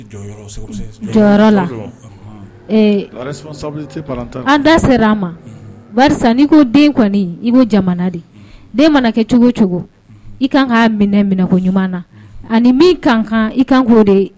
Ma ko den i ko jamana den mana kɛ cogo cogo i kan ka minɛ minɛ ko ɲuman na ani min ka i kan k'o de